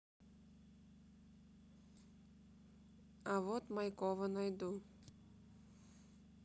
а вот майкова найду